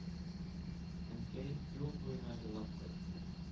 Әнкәй юл буена елап кайтты...